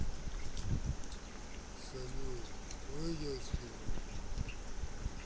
салют выйди отсюдова